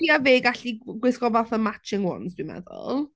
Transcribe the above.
Fi a fe gallu gwisgo fatha matching ones dwi'n meddwl.